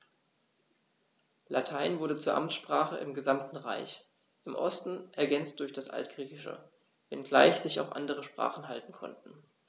Latein wurde zur Amtssprache im gesamten Reich (im Osten ergänzt durch das Altgriechische), wenngleich sich auch andere Sprachen halten konnten.